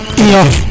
iyo